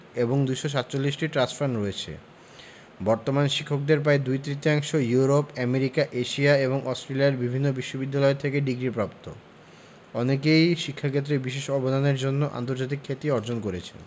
এবং ২৪৭টি trust fund রয়েছে বর্তমান শিক্ষকদের প্রায় দুই তৃতীয়াংশ ইউরোপ আমেরিকা এশিয়া এবং অস্ট্রেলিয়ার বিভিন্ন বিশ্ববিদ্যালয় থেকে ডিগ্রিপ্রাপ্ত অনেকেই শিক্ষাক্ষেত্রে বিশেষ অবদানের জন্য আন্তর্জাতিক খ্যাতি অর্জন করেছেন